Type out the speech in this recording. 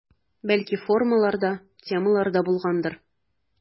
Бәлки формалар да, темалар да булгандыр.